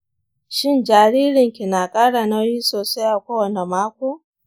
shin jaririn ki na ƙara nauyi sosai a kowane mako?